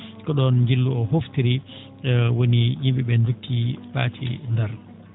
ko ?oon njillu oo hoftirii woni yim?e ?ee nduttii paati Ndar